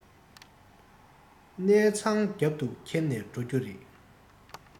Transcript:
གནས ཚང རྒྱབ ཏུ ཁྱེར ནས འགྲོ རྒྱུ རེད